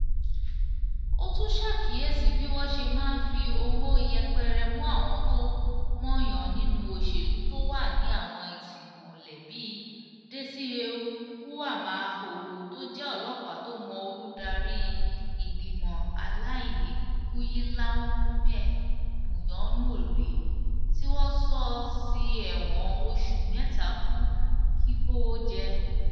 Ó tún ṣàkíyèsí bí wọn ṣe maá ń fi ọwọ́ yẹpẹrẹ mú àwọn tó mọ́ọ̀yàn nínú òṣèlú tó wà ní àwọn ìtìmọ́lé bìi Désiré Uwamahoro tó jẹ́ ọlọ́pàá tó mọ Olùdarí Ìgbìmọ̀ Alain Guillaume Bunyoni rí — tí wọ́n sọ sí ẹ̀wọ̀n oṣù mẹ́tà fún kíkówó jẹ.